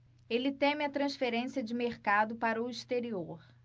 ele teme a transferência de mercado para o exterior